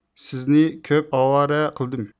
سىزنى كۆپ ئاۋارە قىلدىم